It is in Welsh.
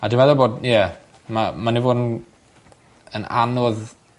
A dwi meddwl bod ie ma' ma'n i fo' 'n yn anodd